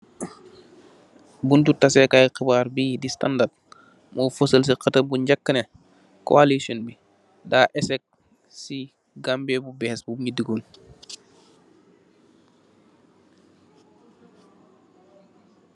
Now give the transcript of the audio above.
Buntu tasekaay xibaar bi di standard, mo fasal si xatam bu jakk ne, coalition bi daa eseg si Gambia bu bes bu nyu digon